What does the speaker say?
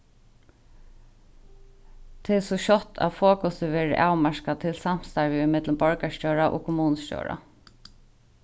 tað er so skjótt at fokusið verður avmarkað til samstarvið ímillum borgarstjóra og kommunustjóra